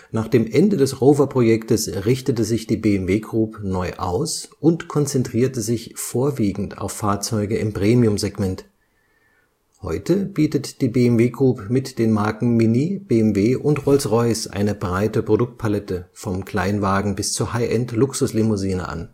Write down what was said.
Nach dem Ende des Rover-Projektes richtete sich die BMW Group neu aus und konzentrierte sich vorwiegend auf Fahrzeuge im Premium-Segment. Heute bietet die BMW Group mit den Marken Mini, BMW und Rolls-Royce eine breite Produktpalette vom Kleinwagen bis zur High-End-Luxuslimousine an